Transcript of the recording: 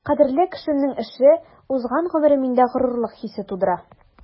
Кадерле кешемнең эше, узган гомере миндә горурлык хисе тудыра.